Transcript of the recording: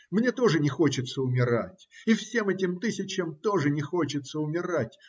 Мне тоже не хочется умирать, и всем этим тысячам тоже не хочется умирать.